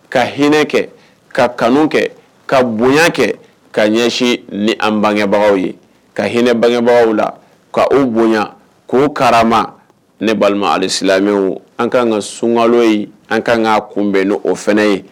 Ka hinɛ kɛ ka kanu kɛ ka bonya kɛ ka ɲɛsin ni an bangebagaw ye ka hinɛ bangebagaw la ka o bonya k'o karama ne balima ali silamɛ o an ka ka sunkalo ye an kaan k kaa kunbɛn n' o fana ye